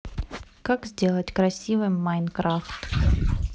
как сделать красивым майнкрафт